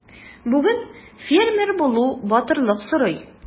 Бүген фермер булу батырлык сорый.